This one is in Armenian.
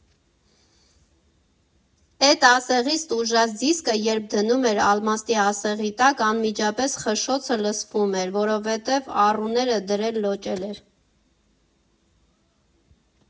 Էդ ասեղից տուժած դիսկը երբ դնում էր ալմաստի ասեղի տակ, անմիջապես խշշոցը լսվում էր, որովհետև առուները դրել լոճել էր։